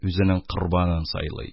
Үзенең корбанын сайлый